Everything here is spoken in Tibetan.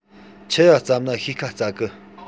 ཆི ཡ བསྩབས ན ཤེས ཁ སྩ གི